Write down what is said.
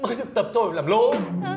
mới thực tập thôi mà làm lố